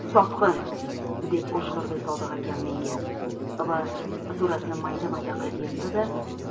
sotqin deb o'shqirdi sodiq akam menga va suratni maydamayda qilib yirtdi da